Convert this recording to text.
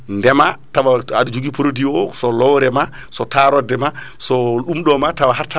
ndeema tawa aɗa joogui produit o so lowre ma so tarodde ma so ɗumɗo ma tawa hatta